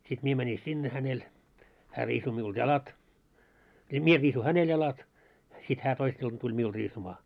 sitten minä menin sinne hänelle hän riisui minulta jalat ja minä riisuin häneltä jalat sitten hän toissa ilta tuli minulle riisumaan